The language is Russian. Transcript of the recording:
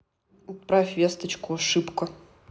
отправь весточку ошибка